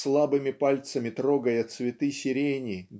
слабыми пальцами трогая цветы сирени